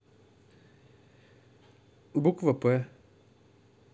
буква п